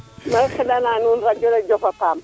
maxey xeɗana na nuun Radio le jof a paam